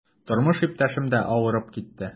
Тормыш иптәшем дә авырып китте.